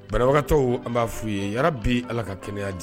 Banabagatɔ an b'a f fɔ ye a bi ala ka kɛnɛyaya di